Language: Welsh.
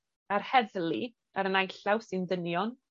a'r heddlu, ar y naill llaw, sy'n dynion